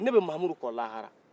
ne bɛ mahamudu kɔn lahara